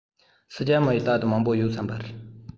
ཕྱི རྒྱལ མི ཡིས རྟག ཏུ མང པོ ཡོད བསམ པར